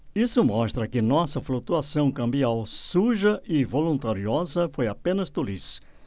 isso mostra que nossa flutuação cambial suja e voluntariosa foi apenas tolice